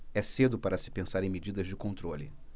é cedo para se pensar em medidas de controle